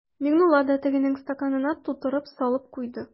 Миңнулла да тегенең стаканына тутырып салып куйды.